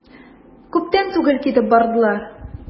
Күптән түгел китеп бардылар.